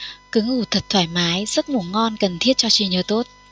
cứ ngủ thật thoải mái giấc ngủ ngon cần thiết cho trí nhớ tốt